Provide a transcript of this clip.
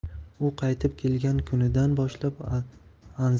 u qaytib kelgan kunidan boshlab anzirat